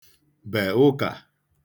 bè ụkā